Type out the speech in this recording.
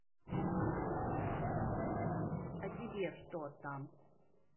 а тебе что там